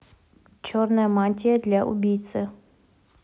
черная мантия для убийцы